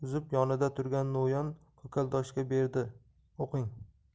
uzib yonida turgan no'yon ko'kaldoshga berdi o'qing